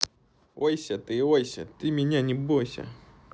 ойся ты ойся ты меня не бойся